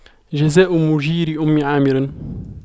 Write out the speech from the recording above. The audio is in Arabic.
جزاء مُجيرِ أُمِّ عامِرٍ